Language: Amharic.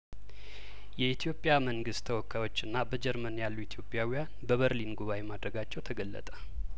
የኢትዮጵያ መንግስት ተወካዮችና በጀርመን ያሉ ኢትዮጵያውያን በበርሊን ጉባኤ ማድረጋቸው ተገለጠ